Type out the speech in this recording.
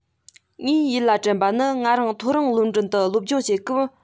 ངའི ཡིད ལ དྲན པ ནི ང རང མཐོ རིམ སློབ འབྲིང དུ སློབ སྦྱོང བྱེད སྐབས